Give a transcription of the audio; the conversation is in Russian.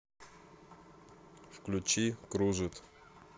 включи кружит